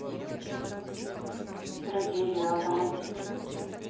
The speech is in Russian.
трагедия локомотив